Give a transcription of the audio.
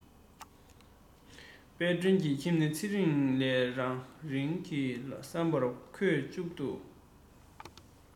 དཔལ སྒྲོན གྱི ཁྱིམ ནི ཚེ རིང ལས རིང གི བསམ པར ཁོས མཇུག ཏུ